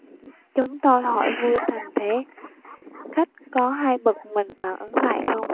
chúng tôi hỏi vui thành thế khách có hay bực mình phản ứng lại không